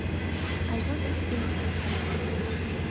ayvon eshigini sharaqlatib ochdi